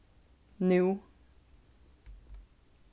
nú